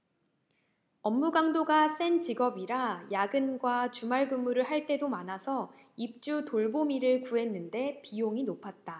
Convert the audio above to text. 업무 강도가 센 직업이라 야근과 주말근무를 할 때도 많아서 입주돌보미를 구했는데 비용이 높았다